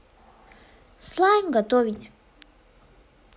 слайм готовить